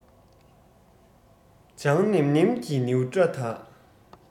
ལྗང ནེམ ནེམ གྱི ནེའུ སྐྲ དག